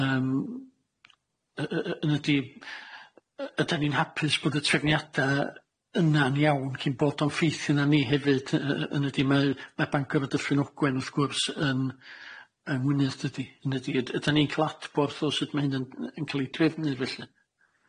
Yym y- y- y- hyny ydi y- ydan ni'n hapus bod y trefniada yna'n iawn cyn bod o'n ffeithio na ni hefyd yy yy hyny ydi ma' yy ma' Bangor a Dyffryn Ogwen wrth gwrs yn Yngwynedd dydi yndydi yd- ydan ni'n ca'l adborth o sut ma' hynna'n yn ca'l ei drefnu felly.